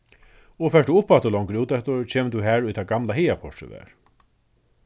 og fert tú uppaftur longur úteftir kemur tú har ið tað gamla hagaportrið var